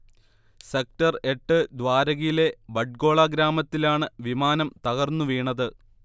sector എട്ട് ദ്വാരകയിലെ ബഡ്ഗോള ഗ്രാമത്തിലാണ് വിമാനം തകർന്നുവീണത്